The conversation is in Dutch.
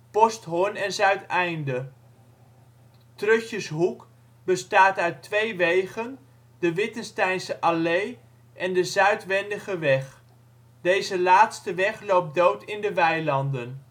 Posthoorn en Zuideinde. Trutjeshoek bestaat uit twee wegen de Wittensteinse Allee en de Zuidwendige weg. Deze laatste weg loopt dood in de weilanden